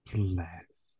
Bless.